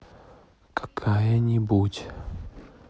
какая нибудь